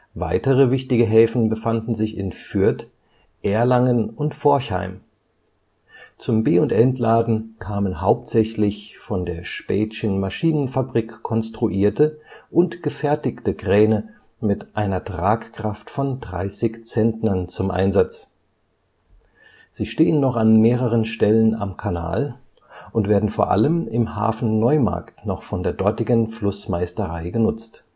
Weitere wichtige Häfen befanden sich in Fürth, Erlangen und Forchheim. Zum Be - und Entladen kamen hauptsächlich von der Späthschen Maschinenfabrik konstruierte und gefertigte Kräne mit einer Tragkraft von 30 Zentnern zum Einsatz. Sie stehen noch an mehreren Stellen am Kanal und werden vor allem im Hafen Neumarkt noch von der dortigen Flussmeisterei genutzt